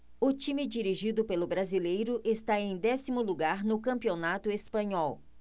o time dirigido pelo brasileiro está em décimo lugar no campeonato espanhol